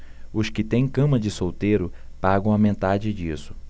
os que têm cama de solteiro pagam a metade disso